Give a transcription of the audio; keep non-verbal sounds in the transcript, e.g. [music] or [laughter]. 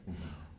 [hesitation] [hesitation]